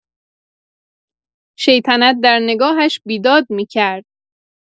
شیطنت در نگاهش بیداد می‌کرد.